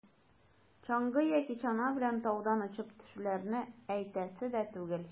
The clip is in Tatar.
Чаңгы яки чана белән таудан очып төшүләрне әйтәсе дә түгел.